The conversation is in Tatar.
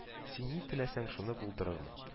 Син ни теләсәң, шуны булдырырмын